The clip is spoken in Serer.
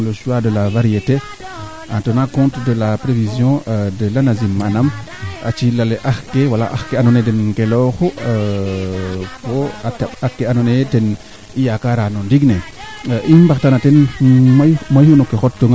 bo rooga leboonga coté a areer o duuf manaam fure fure feeke ando naye kaate xoƴ o duufin soko koy a soɓ durer feene meteo leyna a jeg wax deg o mala ngaan